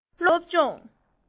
སློབ མ དང སློབ སྦྱོང